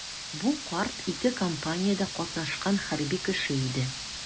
Бу карт ике кампаниядә катнашкан хәрби кеше иде.